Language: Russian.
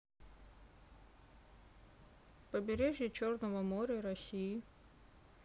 побережье черного моря россии